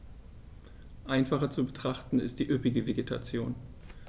Einfacher zu betrachten ist die üppige Vegetation.